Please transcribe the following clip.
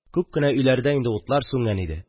Күп кенә өйләрдә инде утлар сүнгән иде.